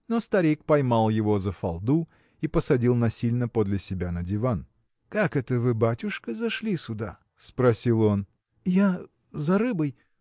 но старик поймал его за фалду и посадил насильно подле себя на диван. – Как это вы, батюшка, зашли сюда? – спросил он. – Я. за рыбой.